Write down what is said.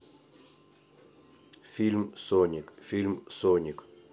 фильм соник фильм соник